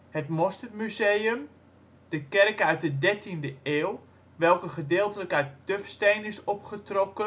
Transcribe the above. Het mosterdmuseum De kerk uit de 13e eeuw welke gedeeltelijk uit tufsteen is opgetrokken De